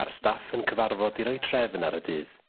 a'r staff yn cyfarfod i roi trefn ar y dydd.